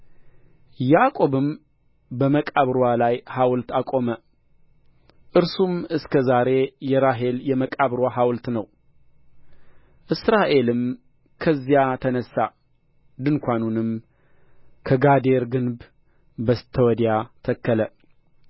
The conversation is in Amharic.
ያዕቆብም በመቃብርዋ ላይ ሐውልት አቆመ እርሱም እስከ ዛሬ የራሔል የመቃብርዋ ሐውልት ነው እስራኤልም ከዚያ ተነሣ ድንኳኑንም ከጋዴር ግንብ በስተ ወዲያ ተከለ